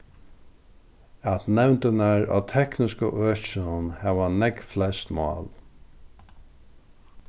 at nevndirnar á tekniska økinum hava nógv flest mál